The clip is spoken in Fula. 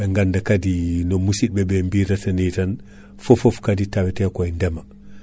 ɓe ganda kaadi no mussiɓeɓe birata ni tan fofoof kaadi tawete koy ndeema